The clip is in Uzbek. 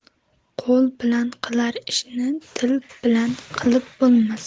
qo'l bilan qilar ishni til bilan qilib bo'lmas